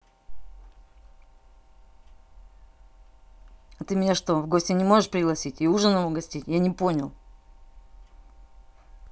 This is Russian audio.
а ты меня что в гости не можешь пригласить и ужином угостить я не понял